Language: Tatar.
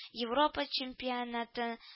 Европа чемпионаты